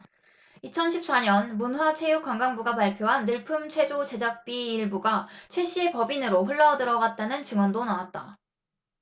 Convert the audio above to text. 이천 십 사 년 문화체육관광부가 발표한 늘품체조 제작비 일부가 최씨의 법인으로 흘러들어 갔다는 증언도 나왔다